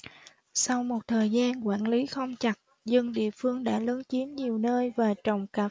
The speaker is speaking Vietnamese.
sau một thời gian quản lý không chặt dân địa phương đã lấn chiếm nhiều nơi và trồng cà